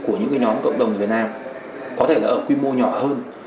của những cái nhóm cộng đồng việt nam có thể là ở quy mô nhỏ hơn